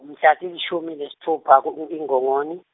mhla tilishumi nesitfupha ku- iNgongoni.